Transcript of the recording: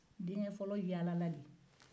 denkɛ fɔlɔ yaalala de